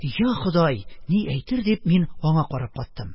"я ходай! ни әйтер?" - дип, мин аңа карап каттым.